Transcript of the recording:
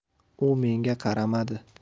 u menga qaramadi